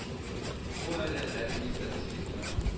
Бу әле рәсми статистика гына